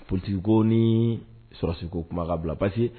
Politique ko nii sɔrasi ko kuma k'a bila parce que